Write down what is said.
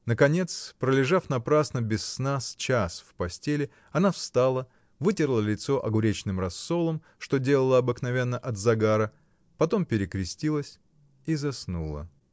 Наконец, пролежав напрасно, без сна, с час в постели, она встала, вытерла лицо огуречным рассолом, что делала обыкновенно от загара, потом перекрестилась и заснула.